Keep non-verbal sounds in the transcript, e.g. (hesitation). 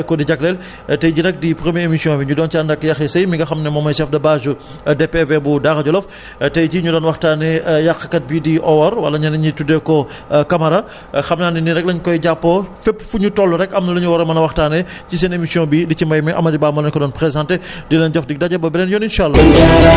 (hesitation) jërëjëf yéen tamit mbokku auditeurs yi lii nag mooy tay jii ñaareelu pàcc bi nga xam ne moom la leen waa ECHO di jagleel (breath) tay jii nag di premier émission bi ñu doon ci ànd ak Yakhya Seuye mi nga xam ne moom mooy chef de base su DPV bu Daara Djolof (breath) tay jii ñu doon waxtaanee (hesitation) yàqkat bii di awoor wala ñenn ñi tuddee ko (breath) kamara (breath) xam naa ne nii rekk lañ koy jàppoo fépp fu ñu toll rekk am na lu ñu war a mën a waxtaanee (breath) ci seen émission bii di ci mbay mi Amady Ba moo leen ko doon présenter (breath) di leen jox dig daje ba beneen yoon insaa àllaa